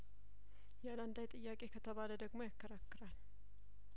ያለአንዳች ጥያቄ ከተባለደግሞ ያከራክራል